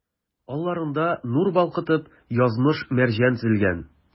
Алларыңда, нур балкытып, язмыш-мәрҗән тезелгән.